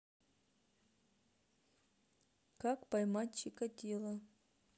как поймать чикатило